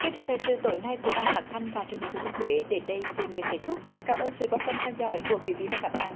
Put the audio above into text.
chương trình thời sự tối nay của đài phát thanh và truyền hình thừa thiên huế đến đây xin được kết thúc cảm ơn sự quan tâm theo dõi của quý vị và các bạn